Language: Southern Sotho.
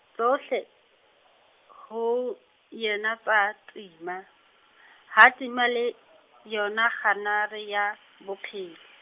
tsohle, ho, yena tsa, tima, ha tima le , yona kganare ya, bophelo.